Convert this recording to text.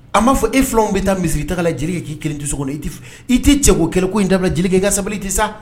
An b'a fɔ e filanw bɛ taa misi la Jelika k'i kelen to so kɔnɔ i tɛ i tɛ cɛkokɛlɛko in dabila Jelika i ka sabali ten sa